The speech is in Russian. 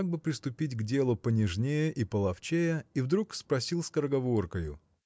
как бы приступить к делу понежнее и половчее и вдруг спросил скороговоркою